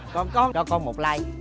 còn con cho con một lai